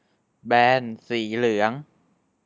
แบนสีเหลือง